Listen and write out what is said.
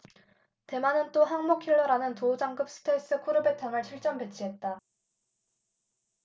대만은 또 항모킬러라는 두오장급 스텔스 코르벳함을 실전배치했다